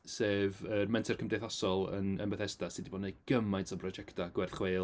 Sef yym mentor cymdeithasol yn yn Bethesda sy 'di bod yn wneud gymaint o brosiectau gwerth chweil.